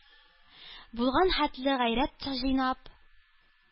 Булган хәтле гайрәт җыйнап: